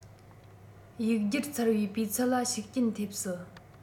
ཡིག སྒྱུར ཚར བའི སྤུས ཚད ལ ཤུགས རྐྱེན ཐེབས སྲིད